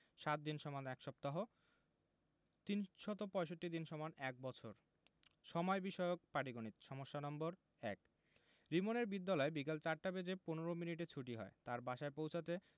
৭ দিন = ১ সপ্তাহ ৩৬৫ দিন = ১বছর সময় বিষয়ক পাটিগনিতঃ সমস্যা নম্বর১ রিমনের বিদ্যালয় বিকাল ৪ টা বেজে ১৫ মিনিটে ছুটি হয় তার বাসায় পৌছাতে